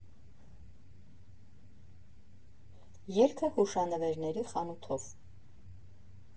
Ելքը՝ հուշանվերների խանութով։